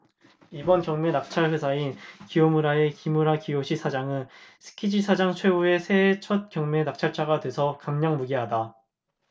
이번 경매 낙찰 회사인 기요무라의 기무라 기요시 사장은 쓰키지시장 최후의 새해 첫경매 낙찰자가 돼서 감개무량하다